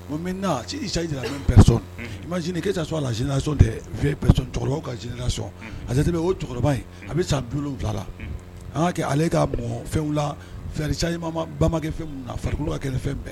Boninaɛ sɔrɔ a lainaso cɛkɔrɔba kaina sɔn a o cɛkɔrɔba in a bɛ sa bulon la an'a kɛ ale ka bon fɛn la fɛmakɛ fɛn na fariba kɛ fɛn bɛɛ